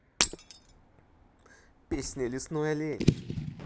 песня лесной олень